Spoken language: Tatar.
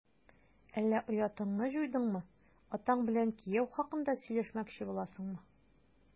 Әллә оятыңны җуйдыңмы, атаң белән кияү хакында сөйләшмәкче буласыңмы? ..